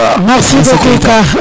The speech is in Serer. merci beaucoup Ka